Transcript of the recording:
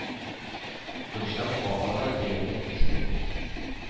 Гөлшат апа да бәяне киметми.